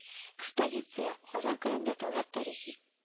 Экспозиция Казан Кремле дәүләт тарихи